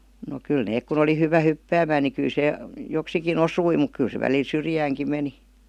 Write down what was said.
no kyllä ne kun oli hyvä hyppäämään niin kyllä se joksikin osui mutta kyllä se välillä syrjäänkin meni